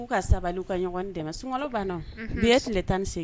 U'u ka sabali u ka ɲɔgɔn dɛmɛ sun banna biye tile tanse